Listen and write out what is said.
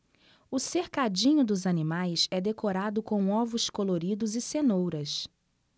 o cercadinho dos animais é decorado com ovos coloridos e cenouras